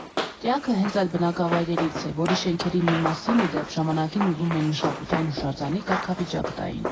Տյաքը հենց այդ բնակավայրերից է, որի շենքերի մի մասին, ի դեպ, ժամանակին ուզում էին մշակութային հուշարձանի կարգավիճակ տային։